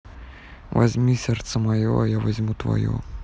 возьми сердце мое а я возьму твое